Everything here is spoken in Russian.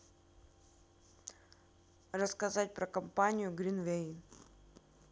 рассказать про компанию greenway